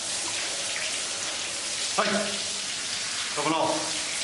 Oi! Ro fo nôl.